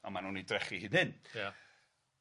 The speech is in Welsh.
A ma' nw'n 'i drechu hyd hy. Ia.